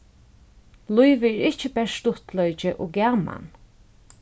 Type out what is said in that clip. lívið er ikki bert stuttleiki og gaman